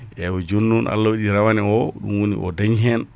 eywa jooni non Allah waɗi rawade ɗum woni o dañi hen